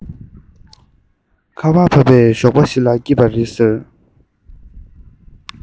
སྔོན མ ཨ མས གཏམ རྒྱུད